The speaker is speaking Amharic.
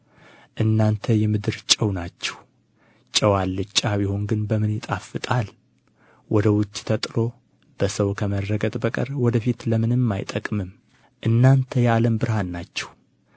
እናንተ የምድር ጨው ናችሁ ጨው አልጫ ቢሆን ግን በምን ይጣፍጣል ወደ ውጭ ተጥሎ በሰው ከመረገጥ በቀር ወደ ፊት ለምንም አይጠቅምም እናንተ የዓለም ብርሃን ናችሁ